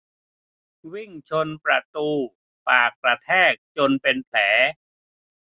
วิ่งชนประตูปากกระแทกจนเป็นแผล